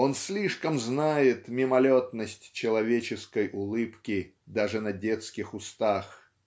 он слишком знает мимолетность человеческой улыбки даже на детских устах.